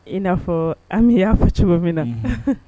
I n'a fɔ an y'a fɔ cogo min na